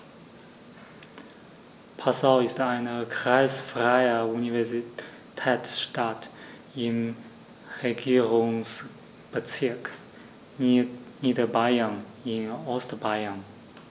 Passau ist eine kreisfreie Universitätsstadt im Regierungsbezirk Niederbayern in Ostbayern.